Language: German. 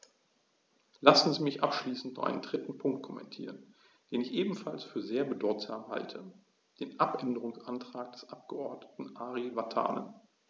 Lassen Sie mich abschließend noch einen dritten Punkt kommentieren, den ich ebenfalls für sehr bedeutsam halte: den Abänderungsantrag des Abgeordneten Ari Vatanen.